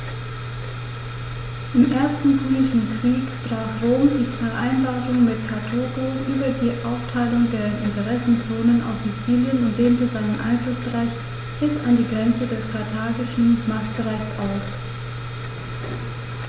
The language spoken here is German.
Im Ersten Punischen Krieg brach Rom die Vereinbarung mit Karthago über die Aufteilung der Interessenzonen auf Sizilien und dehnte seinen Einflussbereich bis an die Grenze des karthagischen Machtbereichs aus.